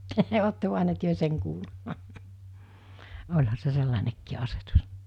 olette te sen kuullut olihan se sellainenkin asetus